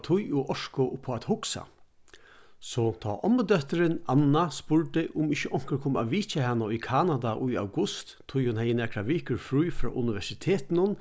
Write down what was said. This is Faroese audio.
tíð og orku upp á at hugsa so tá ommudóttirin anna spurdi um ikki onkur kom at vitja hana í kanada í august tí hon hevði nakrar vikur frí frá universitetinum